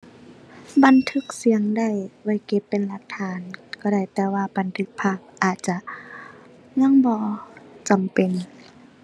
บันทึกเสียงได้ไว้เก็บเป็นหลักฐานก็ได้ แต่ว่าบันทึกภาพอาจจะยังบ่จำเป็น